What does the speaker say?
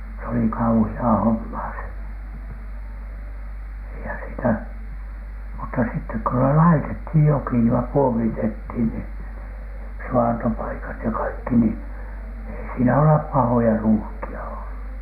se oli kauheaa hommaa se eihän sitä mutta sitten kun ne laitettiin joki ja puomitettiin niin suvantopaikat ja kaikki niin ei siinä ole pahoja ruuhkia ollut